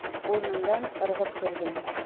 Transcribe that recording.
o'rnimdan irg'ib turdim